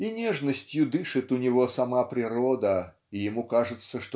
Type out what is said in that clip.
И нежностью дышит у него сама природа и ему кажется